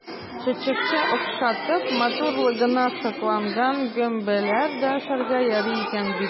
Чәчәккә охшатып, матурлыгына сокланган гөмбәләр дә ашарга ярый икән бит!